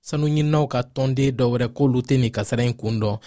sanuɲininaw ka tɔnden dɔwɛrɛ k'olu tɛ nin kasaara in kun dɔn